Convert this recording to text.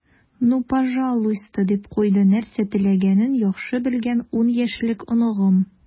"ну пожалуйста," - дип куйды нәрсә теләгәнен яхшы белгән ун яшьлек оныгым.